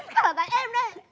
tất cả là tại em đấy